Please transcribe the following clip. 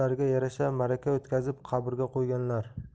yarasha maraka o'tkazib qabrga qo'yganlar